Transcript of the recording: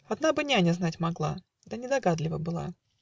Одна бы няня знать могла, Да недогадлива была.